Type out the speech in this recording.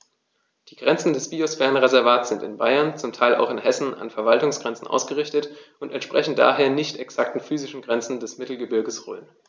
Die Grenzen des Biosphärenreservates sind in Bayern, zum Teil auch in Hessen, an Verwaltungsgrenzen ausgerichtet und entsprechen daher nicht exakten physischen Grenzen des Mittelgebirges Rhön.